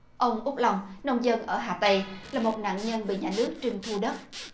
ông úc long nông dân ở hà tây là một nạn nhân bị nhà nước trưng thu đất